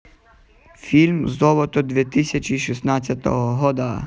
фильм золото две тысячи шестнадцатого года